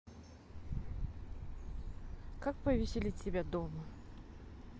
как повеселить себя дома